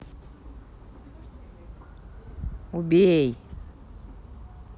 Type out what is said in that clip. убей